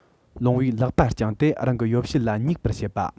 ལོང བས ལག པ བརྐྱངས ཏེ རང གི ཡོ བྱད ལ ཉུག པར བྱེད པ